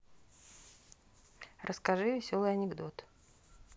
расскажи веселый анекдот